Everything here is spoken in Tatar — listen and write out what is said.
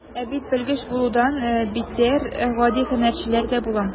Ә бит белгеч булудан битәр, гади һөнәрчеләр дә була.